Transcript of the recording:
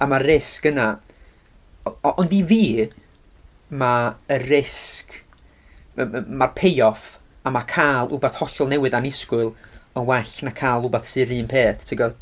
A ma'r risg yna... o- o- ond i fi, mae y risg m- m- ma'r pay-off, a ma' cael wbath hollol newydd annisgwyl yn well na cael wbath sy yr un peth, ti'n gwbod?